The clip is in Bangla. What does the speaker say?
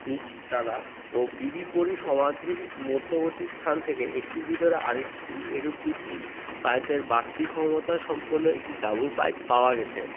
নীচের তলা ও বিবি পরীর সমাধির মধ্যবর্তী স্থান থেকে একটির ভেতরে আরেকটি এরূপ দুটি পাইপের বাড়তি ক্ষমতা সম্পন্ন একটি ডাবল পাইপ পাওয়া গেছে